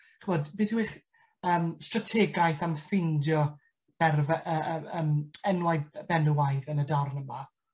ch'mod beth yw eich yym strategaeth am ffindio berfe- yy yy yym enwau benywaidd yn y darn yma?